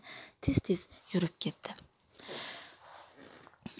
tez tez yurib ketdi